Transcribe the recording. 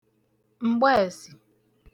m̀gbeèsì